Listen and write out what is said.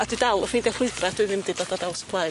A dwi dal yn ffeindio llwybra' dwi ddim 'di dod ar draws blaen.